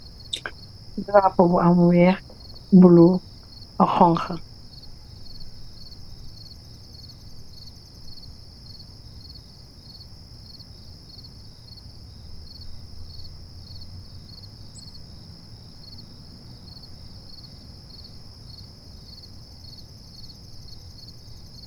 Darapu bu ame weehe, blue ak hauha.